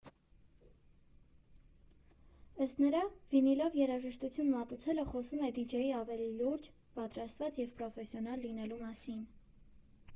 Ըստ նրա՝ վինիլով երաժշտություն մատուցելը խոսում է դիջեյի ավելի լուրջ, պատրաստված և պրոֆեսիոնալ լինելու մասին.